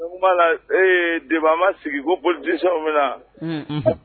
O kumala ee débat ma sigi ko politicien u bɛna unn unhun